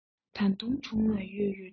ད དུང དྲུང ན ཡོད ཡོད འདྲ བ